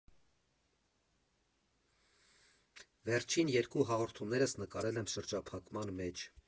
Վերջին երկու հաղորդումներս նկարել եմ շրջափակման մեջ։